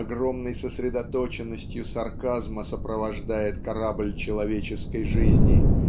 огромной сосредоточенностью сарказма сопровождает корабль человеческой жизни